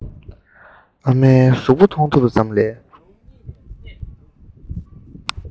ཨ མའི གཟུགས པོ མཐོང ཐུབ པ ཙམ ལས